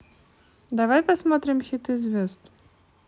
давай посмотрим хиты звезд